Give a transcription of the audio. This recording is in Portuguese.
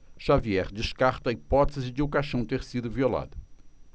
xavier descarta a hipótese de o caixão ter sido violado